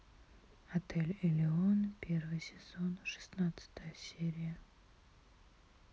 отель элеон первый сезон шестнадцатая серия